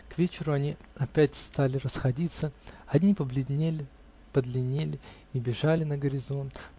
К вечеру они опять стали расходиться: одни побледнели, подлиннели и бежали на горизонт